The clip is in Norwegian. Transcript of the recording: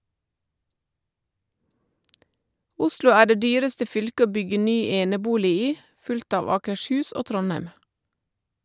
Oslo er det dyreste fylket å bygge ny enebolig i , fulgt av Akershus og Trondheim.